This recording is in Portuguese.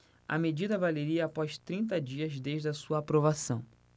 a medida valeria após trinta dias desde a sua aprovação